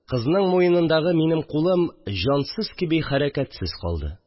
Кызның муенындагы минем кулым җансыз кеби хәрәкәтсез калды